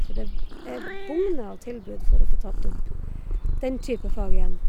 For det b e bugner av tilbud for å få tatt opp den type fag igjen.